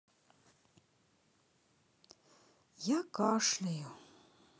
я кашляю